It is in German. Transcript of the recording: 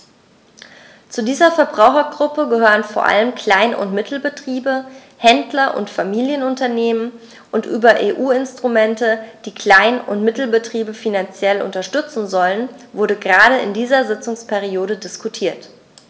Zu dieser Verbrauchergruppe gehören vor allem Klein- und Mittelbetriebe, Händler und Familienunternehmen, und über EU-Instrumente, die Klein- und Mittelbetriebe finanziell unterstützen sollen, wurde gerade in dieser Sitzungsperiode diskutiert.